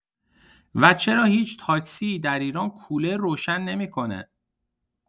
و چرا هیچ تاکسی در ایران کولر روشن نمی‌کنه؟